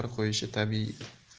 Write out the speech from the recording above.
mehr qo'yishi tabbiy